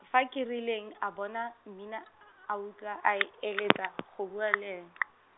fa Kerileng, a bona, Mmina , a utlwa a eletsa, go bua le ene.